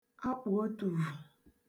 akpụ̀otùvù